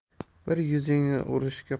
bir yuzingni urushga